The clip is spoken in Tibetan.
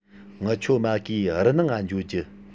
ངི ཆོ མ གིའི རུ ནང ང འགྱོ རྒྱུ